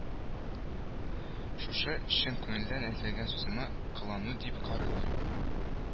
Шушы чын күңелдән әйтелгән сүземә «кылану» дип карыйлар